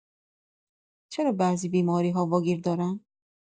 چرا بعضی بیماری‌ها واگیر دارن؟